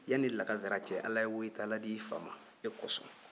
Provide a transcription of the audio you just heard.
yani lagansara cɛ ala ye woyitala d'i fa ma e kosɔn